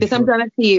Beth amdanat ti?